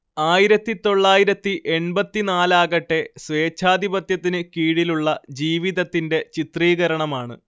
ആയിരത്തിതൊള്ളായിരത്തി എൺപത്തിനാലാകട്ടെ സ്വേച്ഛാധിപത്യത്തിന് കീഴിലുള്ള ജീവിതത്തിന്റെ ചിത്രീകരണമാണ്